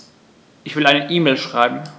Ich will eine E-Mail schreiben.